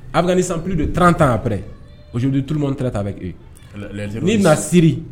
A bɛ ni sanp don trantanpɛduuruman tɛ t' bɛ' na siri